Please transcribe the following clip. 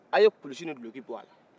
a ye kulusi ni duloki bɔ a la